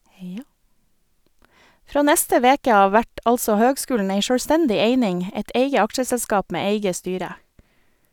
Frå neste veke av vert altså høgskulen ei sjølvstendig eining, eit eige aksjeselskap med eige styre.